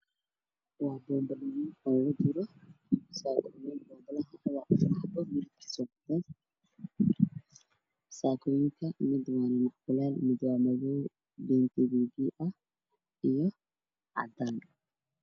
Waa boonbalooyin waxaa kujiro saakooyin. Boonbaluhu waa cadeys, saakooyinku waa nacnackuleel, madow iyo cadaan.